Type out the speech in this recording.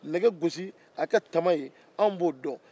ka nɛgɛ gosi k' a kɛ tama ye anw b'o dɔn